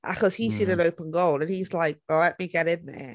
achos he sees an open goal and he's like, let me get in there.